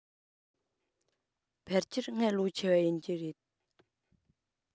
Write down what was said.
ཕལ ཆེར ང ལོ ཆེ བ ཡིན རྒྱུ རེད